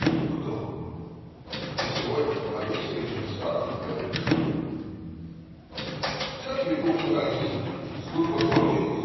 "Кто?" -- "Да сегодня повесили комиссаров пленных". В церкви тухнут огни. Служба кончилась.